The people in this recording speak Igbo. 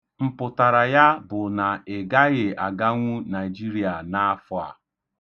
Mpụtara ya bụ na ị gaghị aganwu Naịjiria n'afọ a.